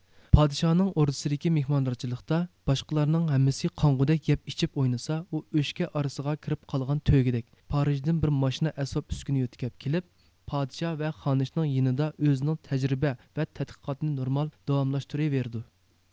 پادىشاھنىڭ ئوردىسىدىكى مېھماندارچىلىقتا باشقىلارنىڭ ھەممىسى قانغۇەك يەپ ئىچىپ ئوينىسا ئۇ ئۆچكە ئارىسىغا كىرىپ قالغان تۆگىدەك پارىژدىن بىر ماشىنا ئەسۋاب ئۈسكۈنە يۆتكەپ كېلىپ پادىشاھ ۋە خانىشنىڭ يېنىدا ئۆزىنىڭ تەجرىبە ۋە تەتقىقاتىنى نورمال داۋاملاشتۇرىۋېرىدۇ